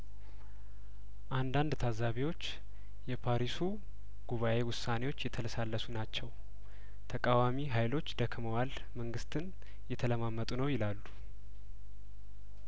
አንዳንድ ታዛቢዎች የፓሪሱ ጉባኤ ውሳኔዎች የተለሳለሱ ናቸው ተቃዋሚ ሀይሎች ደክመዋል መንግስትን እየተለማመጡ ነው ይላሉ